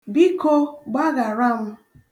Biko, gbaghara m.